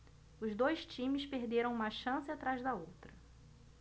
os dois times perderam uma chance atrás da outra